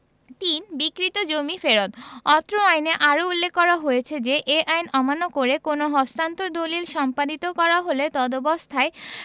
৩ বিক্রীত জমি ফেরত অত্র আইনে আরো উল্লেখ করা হয়েছে যে এ আইন অমান্য করে কোনও হস্তান্তর দলিল সম্পাদিত করা হলে তদবস্থায়